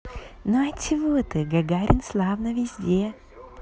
ну а чего ты гагарин славно везде